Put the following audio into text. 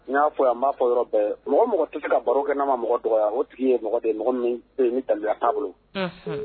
N y'a fɔ a fɔ yɔrɔ bɛɛ mɔgɔ mɔgɔ tɛ se ka baro kɛ na ma mɔgɔ dɔgɔ o tigi ye mɔgɔ taya taaboloa bolo